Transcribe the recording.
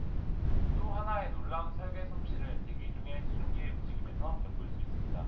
또 하나의 놀라운 설계 솜씨를 대기 중의 수증기의 움직임에서 엿볼 수 있습니다